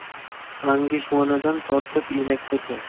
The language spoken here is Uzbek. angishvonadan tortib elakkacha